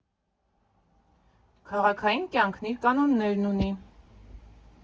Քաղաքային կյանքն իր կանոններն ունի։